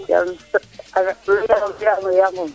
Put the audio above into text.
mi mi yumpañof Ramou